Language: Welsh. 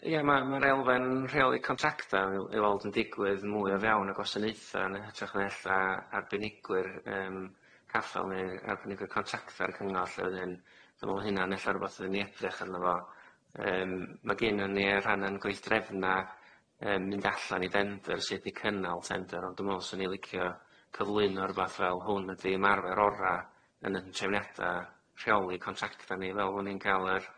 Ia ma' ma'r elfen rheoli contracta i'w i'w weld y digwydd mwy o fewn gwasaneutha yn hytrach na ella arbenigwyr yym caffael neu arbenigwyr contractro cyngor lly wedyn dw me'l ma' hynna'n rwbath i ni edrach arny fo yym ma' ginno ni rhanna gweithdrefna yn mynd allan i dendyrs sud i cynnal tendyr ond dw me'wl 'swn i'n licio cyflwyno rwbath fel hwn ydi ymarfar ora yn y trefniada rheoli contracta ni fel bo ni'n ca'l yr